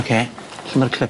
Lle ma'r clip?